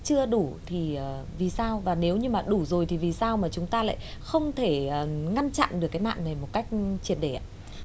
chưa đủ thì vì sao và nếu như mà đủ rồi thì vì sao mà chúng ta lại không thể ngăn chặn được nạn này một cách triệt để ạ